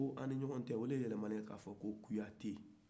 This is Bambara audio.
ko bɛ an ni ɲɔgɔcɛ ko ani ɲogɔtɛ ode yelemana ka kɛ kuyate ye